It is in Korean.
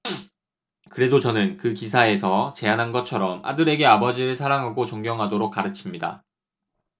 그래도 저는 그 기사에서 제안한 것처럼 아들에게 아버지를 사랑하고 존경하도록 가르칩니다